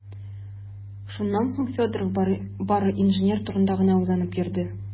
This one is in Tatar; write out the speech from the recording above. Шуннан соң Федоров бары инженер турында гына уйланып йөрде.